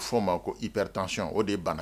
N'o ma ko ipɛretan sɔnɔn o de ye bana